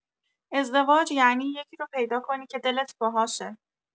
ازدواج یعنی یکی رو پیدا کنی که دلت باهاشه.